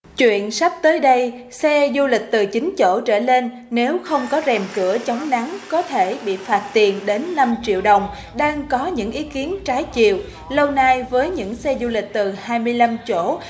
chuyện sắp tới đây xe du lịch từ chín chỗ trở lên nếu không có rèm cửa chống nắng có thể bị phạt tiền đến năm triệu đồng đang có những ý kiến trái chiều lâu nay với những xe du lịch từ hai mươi lăm chỗ